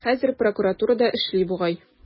Хәзер прокуратурада эшли бугай.